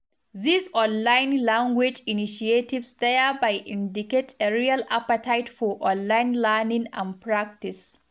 These online language initiatives thereby indicate a real appetite for online learning and practice.